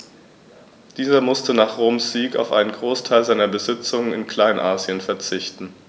Dieser musste nach Roms Sieg auf einen Großteil seiner Besitzungen in Kleinasien verzichten.